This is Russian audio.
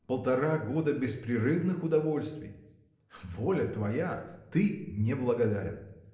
полтора года беспрерывных удовольствий! воля твоя – ты неблагодарен!